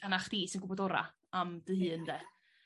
A ma' chdi sy'n gwbod ora am dy hun 'de?